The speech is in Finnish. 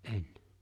en